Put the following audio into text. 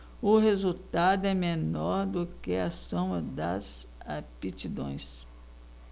o resultado é menor do que a soma das aptidões